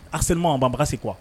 A selenma banba se kuwa